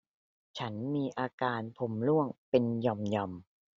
ฉันมีอาการผมร่วงเป็นหย่อมหย่อม